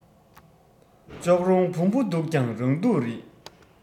ལྕོག རོང བོང བུ སྡུག ཀྱང རང སྡུག རེད